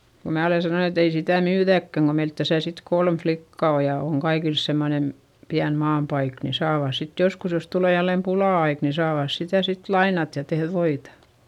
kun minä olen sanonut että ei sitä myydäkään kun meillä tässä sitten kolme likkaa on ja on kaikilla semmoinen pieni maanpaikka niin saavat sitten joskus jos tulee jälleen pula-aika niin saavat sitä sitten lainata ja tehdä voita